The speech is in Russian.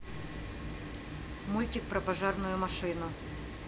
мультики про пожарную машину